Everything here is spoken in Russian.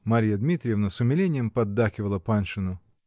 Марья Дмитриевна с умилением поддакивала Паншину.